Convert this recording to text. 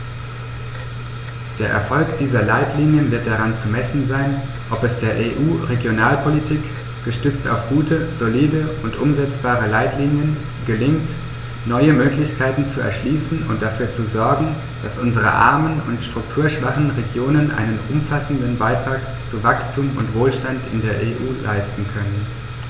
Der Erfolg dieser Leitlinien wird daran zu messen sein, ob es der EU-Regionalpolitik, gestützt auf gute, solide und umsetzbare Leitlinien, gelingt, neue Möglichkeiten zu erschließen und dafür zu sorgen, dass unsere armen und strukturschwachen Regionen einen umfassenden Beitrag zu Wachstum und Wohlstand in der EU leisten können.